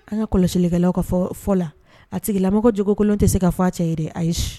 An ka kɔlɔsilikɛlaw ka fɔ fɔ la a tigimɔgɔ cogokolon tɛ se ka fɔ cɛ ye dɛ ayi